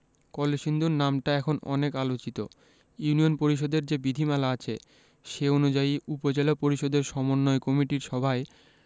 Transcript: কলসিন্দুর নামটা এখন অনেক আলোচিত ইউনিয়ন পরিষদের যে বিধিমালা আছে সে অনুযায়ী উপজেলা পরিষদের সমন্বয় কমিটির সভায়